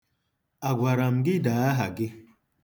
Agwara m gị dee aha gị?